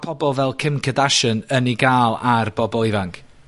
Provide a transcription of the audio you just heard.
pobol fel Kim Kardashian yn 'i ga'l ar bobol ifanc?